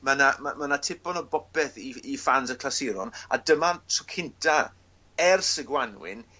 ma' 'na ma' ma' 'na tipon o bopeth i f- i fans y clasuron a dyma'r tro cynta ers y Gwanwyn